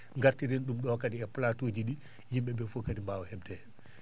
ngartiren ?um ?o kadi e plateau ji?i yim?e ?ee fof kadi mbaawa heɓde heen